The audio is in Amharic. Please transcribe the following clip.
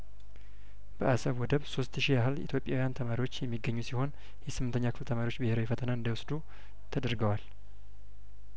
በአሰብ ወደብ ሶስት ሺ ያህል ኢትዮጵያውያን ተማሪዎች የሚገኙ ሲሆን የስምንተኛ ክፍል ተማሪዎች ብሄራዊ ፈተና እንዳይወስዱ ተደርገዋል